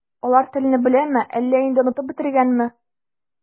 Алар телне беләме, әллә инде онытып бетергәнме?